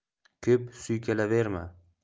ko'p suykalaverma